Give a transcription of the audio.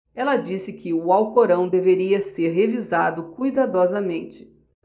ela disse que o alcorão deveria ser revisado cuidadosamente